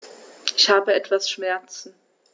Ich habe etwas Schmerzen.